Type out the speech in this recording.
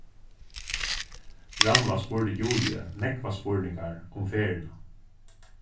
rannvá spurdi juliu nógvar spurningar um ferðina